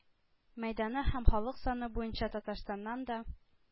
Мәйданы һәм халык саны буенча Татарстаннан да